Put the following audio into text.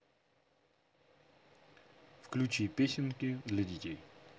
включи песенки для детей